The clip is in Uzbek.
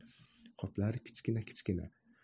qoplari kichkina kichkina